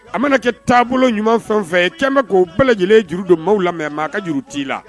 A mana kɛ taabolo ɲuman fɛn o fɛn kɛnbɛ k'o bɛɛ lajɛlen juru don maaw la mais maa ka juru t'i la